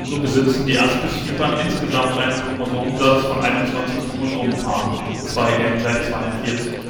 So besitzen die Aspisvipern insgesamt einen Chromosomensatz von 21 Chromosomenpaaren (2n = 42